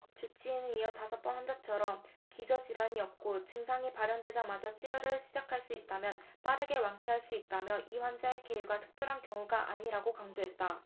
주치의는 이어 다섯 번 환자처럼 기저 질환이 없고 증상이 발현되자마자 치료를 시작할 수 있다면 빠르게 완쾌할 수 있다며 이 환자의 쾌유가 특별한 경우가 아니라고 강조했다